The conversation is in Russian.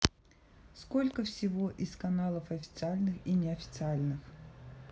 сколько всего из каналов официальных и неофициальных